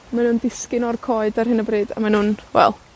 ma' nw'n disgyn o'r coed ar hyn o bryd, a ma' nw'n, wel,